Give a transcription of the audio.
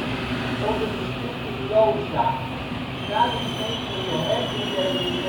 onder de stichting LOSA. Na de gemeentelijke herindeling in